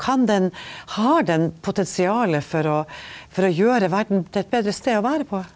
kan den har den potensialet for å for å gjera verda til ein betre stad å vere på?